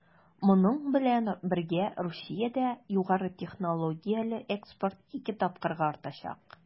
Моның белән бергә Русиядә югары технологияле экспорт 2 тапкырга артачак.